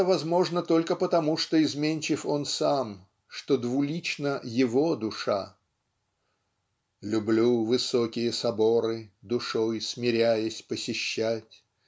это возможно только потому что изменчив он сам что двулична его душа Люблю высокие соборы Душой смиряясь посещать